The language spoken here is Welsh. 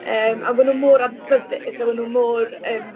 Yym a we nhw mor adnabyddus a we nhw mor yym...